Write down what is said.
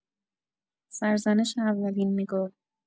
سرزنش اولین نگاه